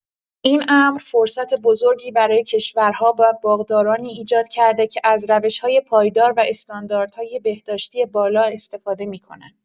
این امر فرصت بزرگی برای کشورها و باغدارانی ایجاد کرده که از روش‌های پایدار و استانداردهای بهداشتی بالا استفاده می‌کنند.